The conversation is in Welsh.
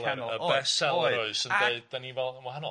Y best-seller y best-seller oes yn deud 'dan ni yn wahanol.